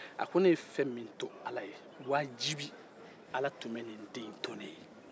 a ko ne ye fɛn min to ala ye wajibi ala tun be nin den to ne